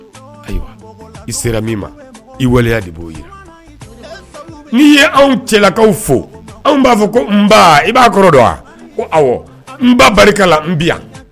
Ayiwa i sera min ma, i waleya de b'o jira, n'i n ye anw cɛlakaw fo, anw b'a fɔ ko nba b'a kɔrɔ dɔn wa, ko awɔ, n ba barika la n bɛ yan